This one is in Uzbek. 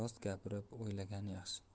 rost gapirib o'lgan yaxshi